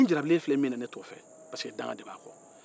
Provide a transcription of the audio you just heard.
a dun jarabilen filɛ min ne t'o fɛ pariseke dakan de b'a kɔ